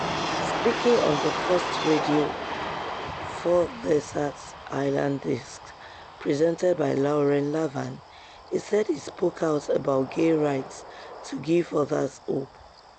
Speaking on the first Radio 4 Desert Island Discs presented by Lauren Laverne, he said he spoke out about gay rights to give others "hope."